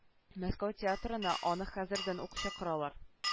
Мәскәү театрына аны хәзердән ук чакыралар